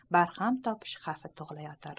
barham topish xavfi tugilayotir